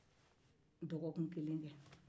dɔgɔkun kelen kɛ